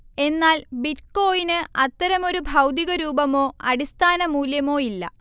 എന്നാൽ ബിറ്റ്കോയിന് അത്തരമൊരു ഭൗതികരൂപമോ അടിസ്ഥാന മൂല്യമോയില്ല